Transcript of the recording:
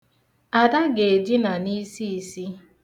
Ada ga-edina n'isiisi.